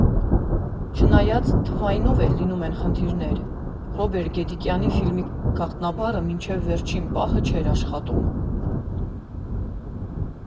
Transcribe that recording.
Չնայած թվայինով էլ լինում են խնդիրներ՝ Ռոբեր Գեդիկյանի ֆիլմի գաղտնաբառը մինչև վերջին պահը չէր աշխատում։